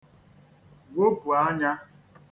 wopù anyā